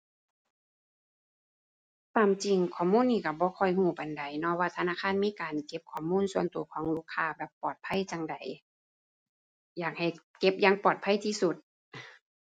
ตามจริงข้อมูลนี้ก็บ่ค่อยก็ปานใดเนาะว่าธนาคารมีการเก็บข้อมูลส่วนก็ของลูกค้าแบบปลอดภัยจั่งใด อยากให้เก็บอย่างปลอดภัยที่สุด